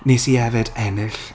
Wnes i hefyd ennill...